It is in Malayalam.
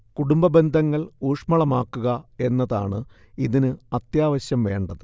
കുടുംബബന്ധങ്ങൾ ഊഷ്മളമാക്കുക എന്നതാണ് ഇതിന് അത്യാവശം വേണ്ടത്